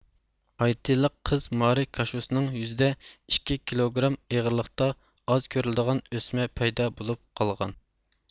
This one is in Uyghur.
ھايتىلىق قىز مارى كاشۇسنىڭ يۈزىدە ئىككى كىلوگرام ئېغىرلىقتا ئاز كۆرۈلىدىغان ئۆسمە پەيدا بولۇپ قالغان